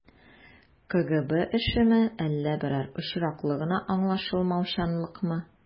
КГБ эшеме, әллә берәр очраклы гына аңлашылмаучанлыкмы?